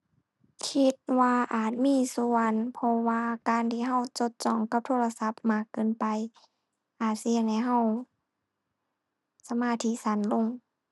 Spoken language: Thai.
คิดว่าอาจมีส่วน เพราะว่าการที่เราจดจ้องกับโทรศัพท์มากเกินไป อาจสิเฮ็ดให้เราสมาธิสั้นลง